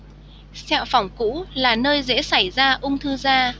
sẹo phỏng cũ là nơi dễ xảy ra ung thư da